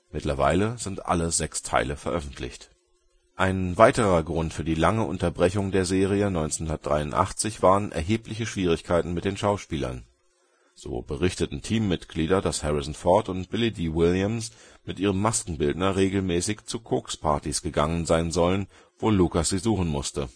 Mittlerweile sind alle sechs Teile veröffentlicht. Ein weiterer Grund für die lange Unterbrechung der Serie 1983 waren erhebliche Schwierigkeiten mit den Schauspielern. So berichten Teammitglieder, dass Harrison Ford und Billy Dee Williams mit ihrem Maskenbildner regelmäßig zu Kokspartys gegangen sein sollen, wo Lucas sie suchen musste